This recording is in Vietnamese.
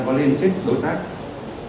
có liên kết đối tác